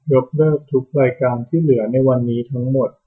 ยกเลิกทุกรายการที่เหลือในวันนี้ทั้งหมด